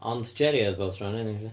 Ond Jerry oedd bob tro'n ennill ia?.